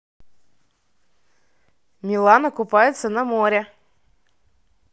милана купается на море